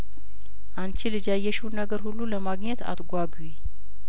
አንቺ ልጅ ያየሽውን ነገር ሁሉ ለማግኘት አትጓጉ